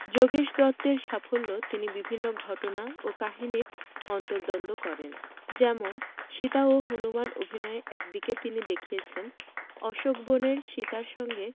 যোগেশ দত্তের সাফল্য তিনি বিভিন্ন ঘটনা ও কাহিনির অন্তর্তদন্ত করেন যেমন সীতা ও হনুমান অভিনয়ে এক দিকে তিনি দেখিয়েছেন অশোকবনের সীতার সঙ্গে